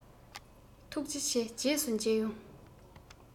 ཐུགས རྗེ ཆེ རྗེས སུ མཇལ ཡོང